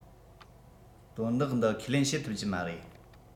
དོན དག འདི ཁས ལེན བྱེད ཐུབ ཀྱི མ རེད